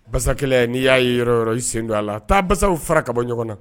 Basa kelen n'i y'a yei yɔrɔ yɔrɔ i sen don a la taa basaw fara ka bɔ ɲɔgɔn na